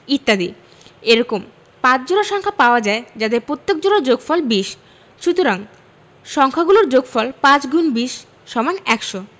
ইত্যাদি এরকম ৫ জোড়া সংখ্যা পাওয়া যায় যাদের প্রত্যেক জোড়ার যোগফল ২০ সুতরাং সংখ্যা গুলোর যোগফল ৫x২০=১০০